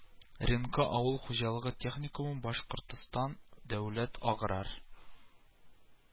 Ренко авыл хуҗалыгы техникумын, башкортстан дәүләт аграр